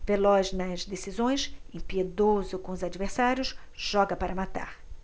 veloz nas decisões impiedoso com os adversários joga para matar